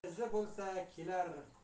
bu yil izi bo'lsa